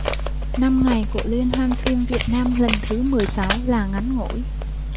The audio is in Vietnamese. năm ngày của liên hoan phim việt nam lần thứ mười sáu là ngắn ngủi